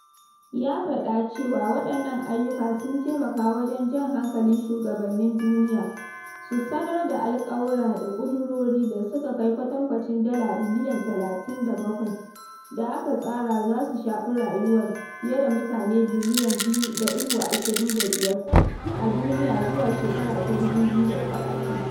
Ya faɗa cewa waɗannan ayyukan sun taimaka wajen jan hankalin shugabannin duniya su sanar da alƙawura da ƙudurori da suka kai kwatancin dala biliyan 37 da aka tsara za su shafi rayuwar fiye da mutane biliyan 2.25 a duniya zuwa shekara ta 2030.